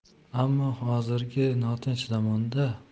ammo hozirgi notinch zamonada